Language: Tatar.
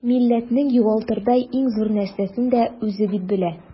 Милләтнең югалтырдай иң зур нәрсәсен дә үзе дип белә.